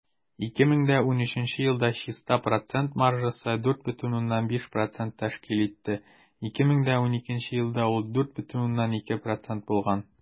2013 елда чиста процент маржасы 4,5 % тәшкил итте, 2012 елда ул 4,2 % булган.